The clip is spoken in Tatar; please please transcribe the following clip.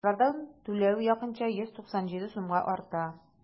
Январьдан түләү якынча 197 сумга арта.